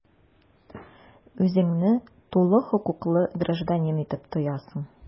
Үзеңне тулы хокуклы гражданин итеп тоясың.